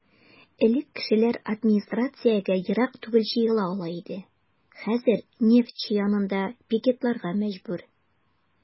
Элек кешеләр администрациягә ерак түгел җыела ала иде, хәзер "Нефтьче" янында пикетларга мәҗбүр.